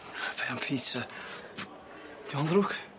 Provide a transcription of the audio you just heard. A be' am Peter? 'Di o'n ddrwg.